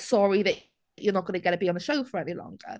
Sorry that you're not going to get to be on the show for any longer.